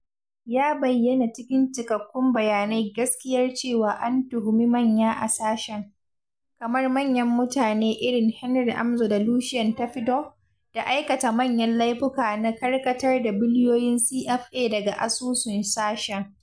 Ya bayyana cikin cikakkun bayanai gaskiyar cewa an tuhumi 'manya' a sashen, kamar manyan mutane irin Henri Amouzou da Lucien Tapé Doh, da aikata manyan laifuka na karkatar da biliyoyin CFA daga asusun sashen.